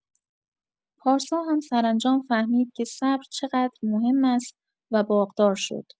پارسا هم سرانجام فهمید که صبر چقدر مهم است و باغدار شد.